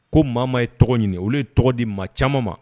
Ko maa ye tɔgɔ ɲini olu ye tɔgɔ di maa caman ma